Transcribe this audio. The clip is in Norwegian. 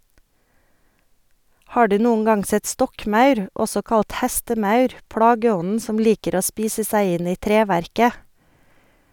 Har du noen gang sett stokkmaur, også kalt hestemaur, plageånden som liker å spise seg inn i treverket?